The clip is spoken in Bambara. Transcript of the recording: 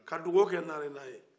ka duwaw kɛ narena ye